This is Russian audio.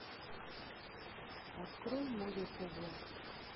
открой море тв